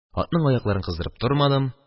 Атның аякларын кыздырып тормадым.